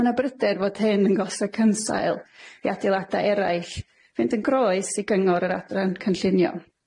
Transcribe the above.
Ma' 'na bryder fod hyn yn gosod cynsail i adeilade eraill fynd yn groes i gyngor yr Adran Cynllunio.